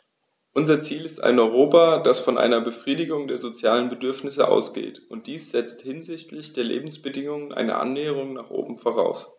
Unser Ziel ist ein Europa, das von einer Befriedigung der sozialen Bedürfnisse ausgeht, und dies setzt hinsichtlich der Lebensbedingungen eine Annäherung nach oben voraus.